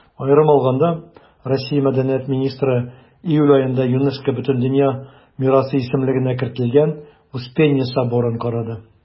Аерым алганда, Россия Мәдәният министры июль аенда ЮНЕСКО Бөтендөнья мирасы исемлегенә кертелгән Успенья соборын карады.